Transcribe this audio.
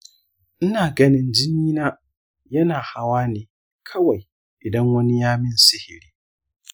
ina ganin jini na yana hawa ne kawai idan wani ya min sihiri.